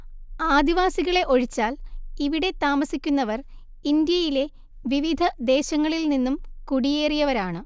ആദിവാസികളെ ഒഴിച്ചാൽ ഇവിടെ താമസിക്കുന്നവർ ഇന്ത്യയിലെ വിവിധ ദേശങ്ങളിൽ നിന്നും കുടിയേറിയവരാണ്‌